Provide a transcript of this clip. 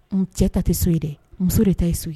Un cɛ ta tɛ so ye dɛ muso de taa ye so ye